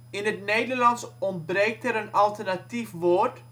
In het Nederlands ontbreekt er een alternatief woord